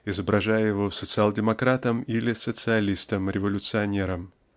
изображая Его социал-демократом или социалистом-революционером.